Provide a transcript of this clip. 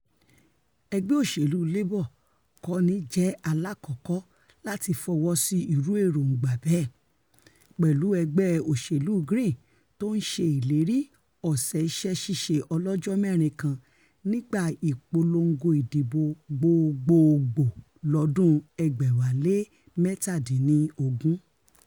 Ẹgbẹ́ Òṣèlú Labour kòní jẹ̵̵́ aláàkọ́kọ́ láti fọwosí irú èròǹgbà bẹ́ẹ̀, pẹ̀lú Ẹgbẹ́ Òṣèlú Green tó ńṣe ìléri ọ̀sẹ̀ iṣẹ́-ṣíṣe ọlọ́jọ́-mẹ́rin kan nígbà ìpolongo ìdìbò gbogbogbòò lọ́dún 2017.